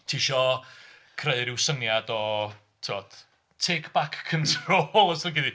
Tisho creu rhyw syniad o, ti'n gwbod, take back control . Os lici di.